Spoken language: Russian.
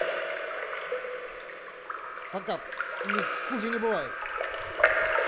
факап или хуже не бывает